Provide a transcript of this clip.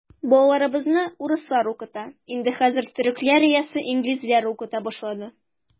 Балаларыбызны урыслар укыта, инде хәзер төрекләр яисә инглизләр укыта башлады.